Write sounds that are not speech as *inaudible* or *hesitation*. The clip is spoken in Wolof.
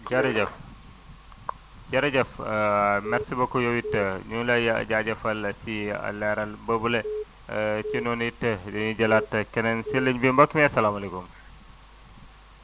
*noise* jërëjë *noise* jërëjëf *hesitation* merci beaucoup *noise* yow it ñu ngi lay jaajëfal si leeral boobule *noise* *hesitation* ci noonu it dañuy jëlaat keneen *noise* si ligne bi mbokk mi asalaamaaleykum *noise*